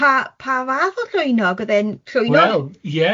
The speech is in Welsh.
Pa pa fath o llwynog, oedd e'n llwynog?... Wel, ie.